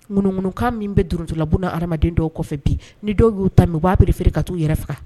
Ŋunuŋunukan min bɛ duruntula hadamaden dɔw kɔfɛ bi ni dɔw y'u ta mɛn u b'a préféré ka t'u yɛrɛ faga